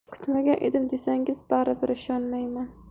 kutgan edim desangiz bari bir ishonmayman